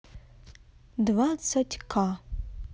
двадцать к